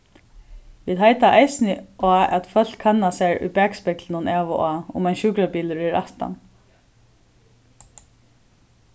vit heita eisini á at fólk kanna sær í bakspeglinum av og á um ein sjúkrabilur er aftan